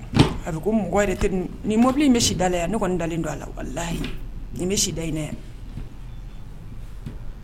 A bɛ ko mɔgɔ ni mɔbili in bɛ sida yan ne kɔni dalen don a la wala nin bɛ sidayi ne